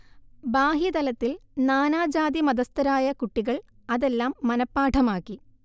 ബാഹ്യതലത്തിൽ നാനാ ജാതി-മതസ്ഥരായ കുട്ടികൾ അതെല്ലാം മനപ്പാഠമാക്കി